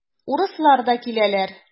Урыслар да киләләр.